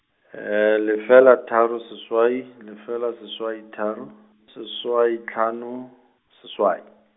lefela tharo seswai, lefela seswai tharo, seswai hlano, seswai.